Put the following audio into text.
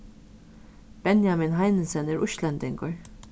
benjamin heinesen er íslendingur